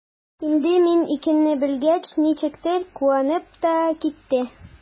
Инде мин икәнне белгәч, ничектер куанып та китте.